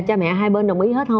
cha mẹ hai bên đồng ý hết hông